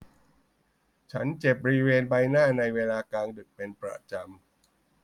ฉันเจ็บบริเวณใบหน้าในเวลากลางดึกเป็นประจำ